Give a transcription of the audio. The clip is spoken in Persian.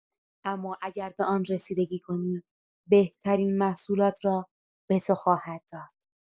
اما اگر به آن رسیدگی کنی، بهترین محصولات را به تو خواهد داد.